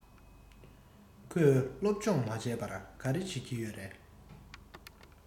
ཁོས སློབ སྦྱོང མ བྱས པར ག རེ བྱེད ཀྱི ཡོད རས